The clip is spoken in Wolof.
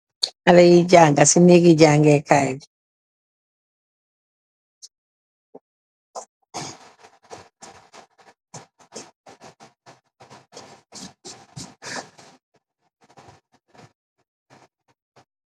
Haleh yu janga c negi jangey Kay bi